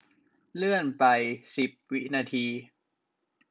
เลื่อนไปสิบวินาที